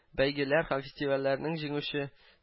Бәйгеләр һәм фестивальләрнең җиңүче